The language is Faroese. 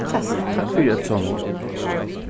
takk fyri øll somul